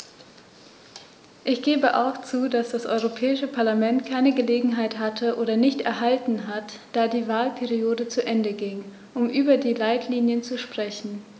Ich gebe auch zu, dass das Europäische Parlament keine Gelegenheit hatte - oder nicht erhalten hat, da die Wahlperiode zu Ende ging -, um über die Leitlinien zu sprechen.